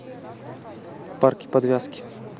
парки подвязки